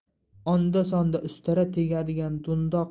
onda sonda ustara tegadigan do'rdoq